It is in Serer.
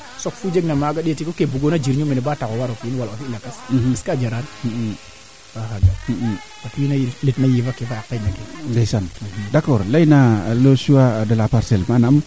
soo o maado xanjin koy ko kee te saq ina o xandeluma leene o bugo dako dosin took kaaf ke bo jik oona a camion xa baas limba xeeke o cuuma ngaan o mbiñ bata fagna o duufa nga maaga maaga sax ke to alors me mbaxa noona kama qol le fop xana faax